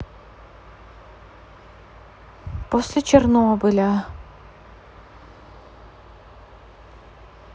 после чернобыля